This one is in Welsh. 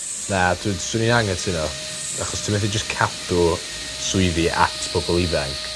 Na dw- swn i'n angytuno. Achos ti methu jyst cadw swyddi at pobol ifanc...